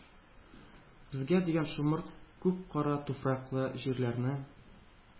Безгә дигән шомырт күк кара туфраклы җирләрне,